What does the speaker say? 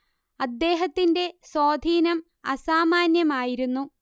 അദ്ദേഹത്തിന്റെ സ്വാധീനം അസാമാന്യമായിരുന്നു